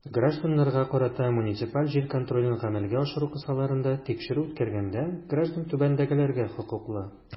Гражданнарга карата муниципаль җир контролен гамәлгә ашыру кысаларында тикшерү үткәргәндә граждан түбәндәгеләргә хокуклы.